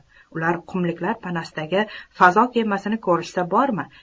ular qumliklar panasidagi fazo kemasini ko'rishsa bormi